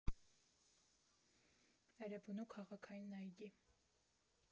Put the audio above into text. Էրեբունու քաղաքային այգի։